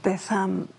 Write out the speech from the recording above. Beth am